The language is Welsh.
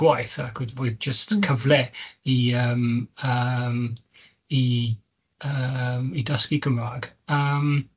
gwaith ac roedd roedd jyst... Mm... cyfle i yym yym i yym i dysgu Cymraeg yym.